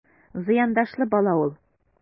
Зыяндашлы бала ул...